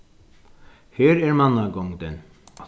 her er mannagongdin